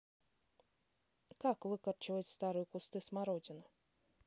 как выкорчевать старые кусты смородины